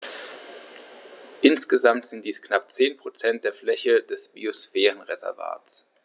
Insgesamt sind dies knapp 10 % der Fläche des Biosphärenreservates.